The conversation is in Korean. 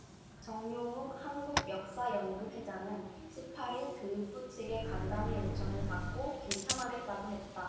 정용욱 한국역사연구회장은 십 팔 일 교육부 측의 간담회 요청을 받고 불참하겠다고 했다